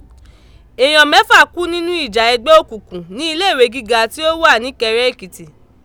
Èèyàn mẹ́fà kú nínú ìjà ẹgbẹ́ òkùnkùn ní ilé ìwé gíga tí ó ó wà níkẹrẹ Ekiti